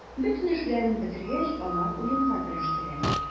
Бөтен эшләрен бетергәч, алар уенга керештеләр.